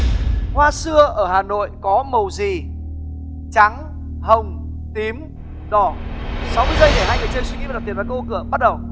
hoa sưa ở hà nội có mầu gì trắng hồng tím đỏ sáu mươi giây để hai người chơi suy nghĩ và đặt tiền vào các ô cửa cửa bắt đầu